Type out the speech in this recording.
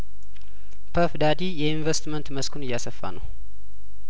ፐፍ ዳዲ የኢንቨስትመንት መስኩን እያሰፋ ነው